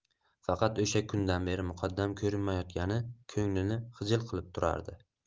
faqat o'sha kundan beri muqaddam ko'rinmayotgani ko'nglini xijil qilib turardi